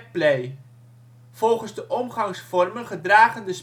play. Volgens de omgangsvormen gedragen de